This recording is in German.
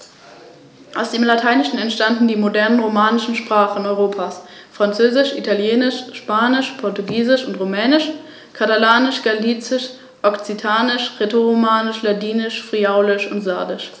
Im Biosphärenreservat Rhön wird versucht, die ohnehin schon starke regionale Identifikation der Bevölkerung gezielt für ein Regionalmarketing zu nutzen und regionaltypische Nutzungsformen und Produkte zu fördern.